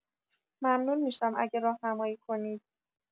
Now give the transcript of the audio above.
ممنون می‌شم اگه راهنمایی کنید